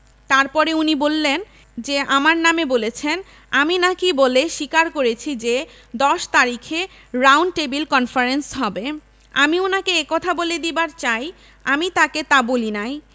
তারপরে উনি বললেন যে আমার নামে বলেছেন আমি নাকি বলে স্বীকার করেছি যে দশ তারিখে রাউন্ড টেবিল কনফারেন্স হবে আমি উনাকে এ কথা বলে দিবার চাই আমি তাকে তা বলি নাই